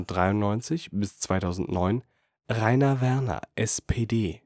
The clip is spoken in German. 1993 – 2009 Rainer Werner (SPD